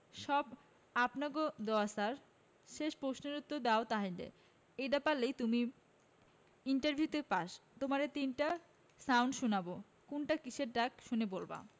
সবই আপনাগো দোয়া ছার শেষ প্রশ্নের উত্তর দাও তাইলে এইডা পারলেই তুমি ইন্টার ভিউতে পাস তোমারে তিনটা সাউন্ড শোনাবো কোনটা কিসের ডাক শুনে বলবা...